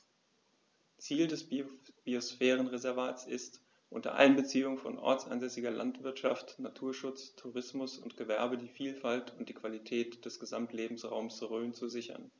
Ziel dieses Biosphärenreservates ist, unter Einbeziehung von ortsansässiger Landwirtschaft, Naturschutz, Tourismus und Gewerbe die Vielfalt und die Qualität des Gesamtlebensraumes Rhön zu sichern.